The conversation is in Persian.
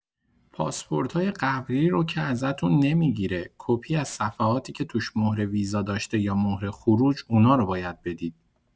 پاسپورتای قبلی رو که ازتون نمی‌گیره، کپی از صفحاتی که توش مهر ویزا داشته یا مهر ورود خروج، اونا رو باید بدید.